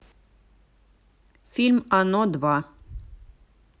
фильм оно два